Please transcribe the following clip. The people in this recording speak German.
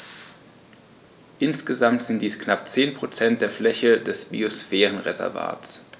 Insgesamt sind dies knapp 10 % der Fläche des Biosphärenreservates.